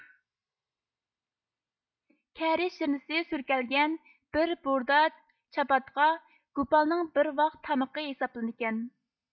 كەررى شىرنىسى سۈركەلگەن بىر بۇردا چاپادغا گۇپالنىڭ بىر ۋاخ تامىقى ھېسابلىنىدىكەن